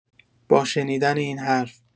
با شنیدن این حرف